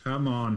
Come on.